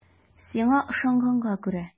Сиңа ышанганга күрә.